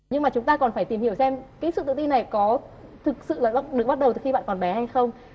nhưng mà chúng ta còn phải tìm hiểu xem cái sự tự tin này có thực sự là được bắt đầu từ khi bạn còn bé hay không